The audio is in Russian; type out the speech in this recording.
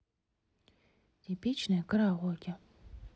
типичное караоке